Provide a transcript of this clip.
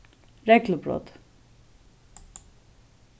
reglubrot